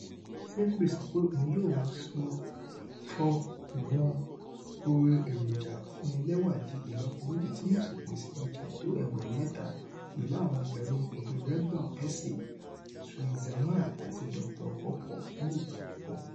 Sainsbury's sọ pé òun yóò máa sọ ìwọn ọrẹ érójà afúnnilẹ́wà di ìlọ́poméjì tí yóò sì pèsè ọjà to ẹgbẹ̀rún mẹ́ta, pẹ̀lú àwọn ọjà olórúkọ bíi Revlon, Essie, Tweezerman àti Dr. PawPaw fún ìgbà àkọ́kọ́.